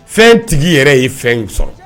Fɛn tigi yɛrɛ ye fɛn in sɔrɔ